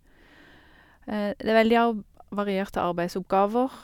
Det er veldig arb varierte arbeidsoppgaver.